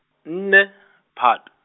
nne, Phato.